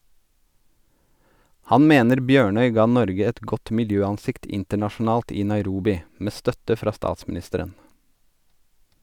Han mener Bjørnøy ga Norge et godt miljøansikt internasjonalt i Nairobi , med støtte fra statsministeren.